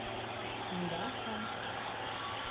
даха